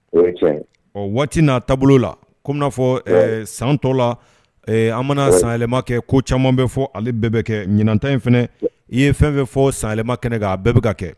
Ɔ waati n'a taabolo laafɔ santɔ la an mana sanɛlɛ kɛ ko caman bɛ fɔ ale bɛɛ bɛ kɛ ɲinanta in fana i ye fɛn bɛ fɔ sanɛlɛ kɛnɛ kan a bɛɛ bɛka ka kɛ